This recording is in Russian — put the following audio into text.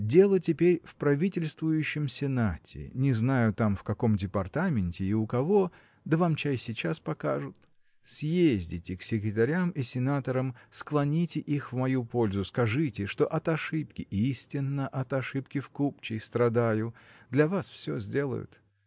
дело теперь в Правительствующем сенате не знаю там в каком департаменте и у кого да вам чай сейчас покажут. Съездите к секретарям и сенаторам склоните их в мою пользу скажите что от ошибки истинно от ошибки в купчей страдаю для вас все сделают.